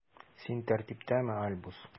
Син тәртиптәме, Альбус?